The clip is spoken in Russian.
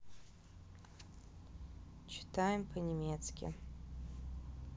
читаем по немецки